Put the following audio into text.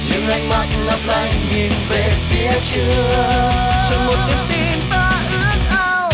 những ánh mắt lấp lánh nhìn về phía trước chờ một niềm tin ta ước ao